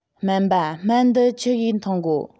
སྨན པ སྨན འདི ཆི གིས འཐུང དགོ